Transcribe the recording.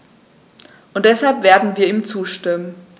Und deshalb werden wir ihm zustimmen.